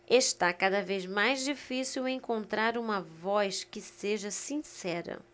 está cada vez mais difícil encontrar uma voz que seja sincera